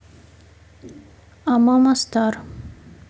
амама стар